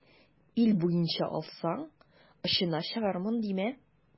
Ил буенча алсаң, очына чыгармын димә.